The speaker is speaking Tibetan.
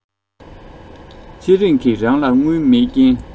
ཚེ རིང གི རང ལ དངུལ མེད རྐྱེན